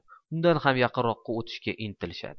undan ham yaqinroqqa o'tishga intilishadi